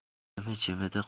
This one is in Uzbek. imi jimida g'ilofga